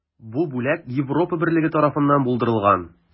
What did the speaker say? Бу бүләк Европа берлеге тарафыннан булдырылган.